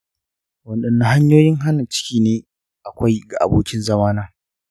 waɗanne hanyoyin hana ciki ne akwai ga abokin zamana?